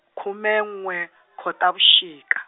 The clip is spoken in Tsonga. khume n'we Khotavuxika.